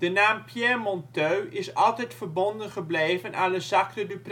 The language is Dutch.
naam Pierre Monteux is altijd verbonden gebleven aan Le Sacre